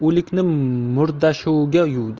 o'likni murdasho'ga yuvdir